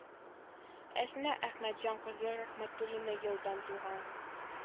Әсма әхмәтҗан кызы рәхмәтуллина елдан туган